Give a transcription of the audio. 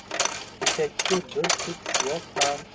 eshakka bir tup shuvoq ham